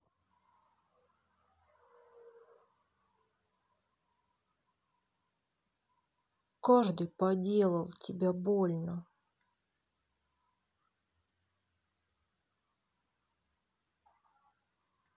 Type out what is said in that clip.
каждый поделал тебя больно